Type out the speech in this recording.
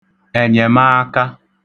ẹ̀nyẹ̀maaka